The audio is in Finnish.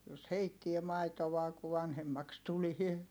jos heittää maitoa kun vanhemmaksi tulee